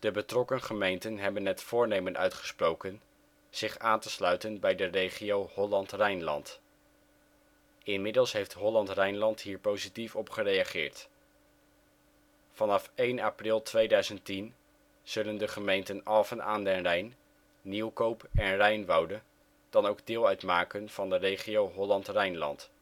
betrokken gemeenten hebben het voornemen uitgesproken zich aan te sluiten bij de regio Holland Rijnland. Inmiddels heeft Holland Rijnland hier positief op gereageerd. Vanaf 1 april 2010 zullen de gemeenten Alphen aan den Rijn, Nieuwkoop en Rijnwoude dan ook deel uitmaken van de regio Holland Rijnland